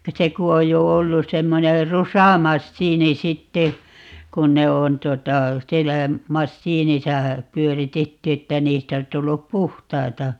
se kun on jo ollut semmoinen rusamasiini sitten kun ne on tuota siellä masiinissa pyöritetty että niistä olisi tullut puhtaita